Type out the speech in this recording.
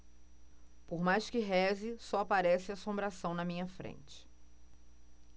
por mais que reze só aparece assombração na minha frente